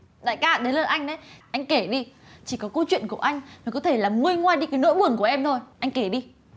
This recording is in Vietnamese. đại ca đến lượt anh đấy anh kể đi chỉ có câu chuyện của anh mới có thể làm nguôi ngoai đi cái nỗi buồn của em thôi anh kể đi